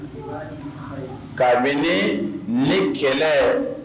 Kabini ni kɛlɛ